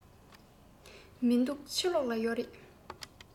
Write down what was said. མི འདུག ཕྱི ལོགས ལ ཡོད རེད